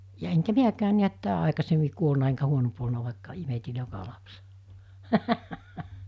ja enkä minäkään näet tämä aikaisemmin kuollut enkä huonompi ollut vaikka imetin joka lapsen